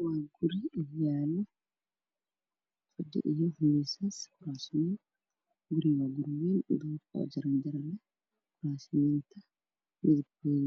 Waa maqaayad waxaa yaalo kuraas iyo miisaas waxay leedahay jaraanjaro midabkoodu yahay